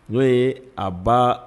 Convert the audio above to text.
N'o ye a ba